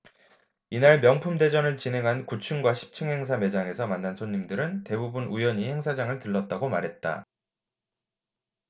이날 명품대전을 진행한 구 층과 십 층 행사 매장에서 만난 손님들은 대부분 우연히 행사장을 들렀다고 말했다